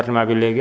produits yi